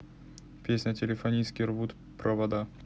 песня телефонистки рвут провода